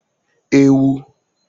ewu